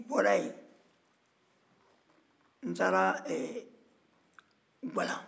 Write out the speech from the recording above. n bɔra yen n taara guwalan